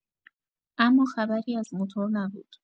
اما خبری از موتور نبود.